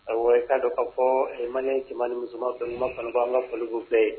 K'a dɔn k kaa fɔ man jamana ni musoman fɛ ma an ka folikobɛn